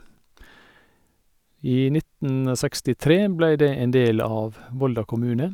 I nitten sekstitre ble det en del av Volda kommune.